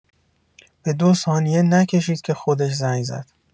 به دو ثانیه نکشید که خودش زنگ زد!